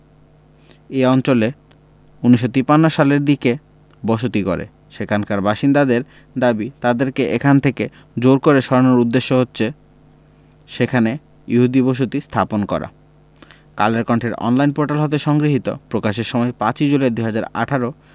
এই অঞ্চলে ১৯৫৩ সালের দিকে বসতি গড়ে সেখানকার বাসিন্দাদের দাবি তাদেরকে এখান থেকে জোর করে সরানোর উদ্দেশ্য হচ্ছে সেখানে ইহুদি বসতি স্থাপন করা কালের কন্ঠের অনলাইন পোর্টাল হতে সংগৃহীত প্রকাশের সময় ৫ জুলাই ২০১৮